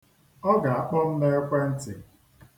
Ọ ga-akpọ m n'ekwentị.